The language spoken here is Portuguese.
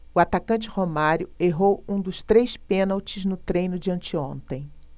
o atacante romário errou um dos três pênaltis no treino de anteontem